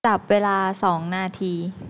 จับเวลาสองนาที